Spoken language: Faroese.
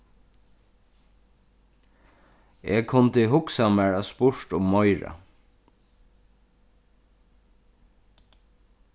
eg kundi hugsað mær at spurt um meira